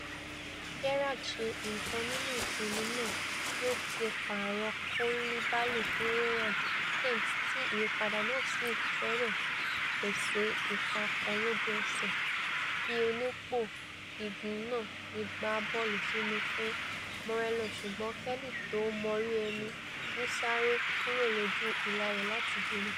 Gerrard ṣe nǹkan nínú ìsinmi náà bí ó ti pààrọ̀ Coulibaly fún Ryan Kent ti ìyípadà náà sì fẹ́rẹ̀ pèsè ipa kan lójú-ẹṣẹ̀ bí onípò-igun náà ti gbá bọ́ọ̀lù sínú fún Morelos ṣùgbọn Kelly tó móríẹni wú sáré kuro lójú ìlà rẹ̀ láti dènà.